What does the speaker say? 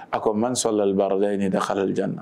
A ko mali sɔn lalibaaruyala nin da halijan na